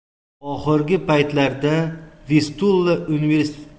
oxirgi paytlarda vistula universitetida o'zbek